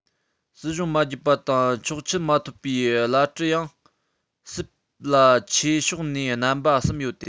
སྲིད གཞུང མ བརྒྱུད པ དང ཆོག མཆན མ ཐོབ པའི བླ སྤྲུལ ཡང སྲིད ལ ཆེ ཕྱོགས ནས རྣམ པ གསུམ ཡོད དེ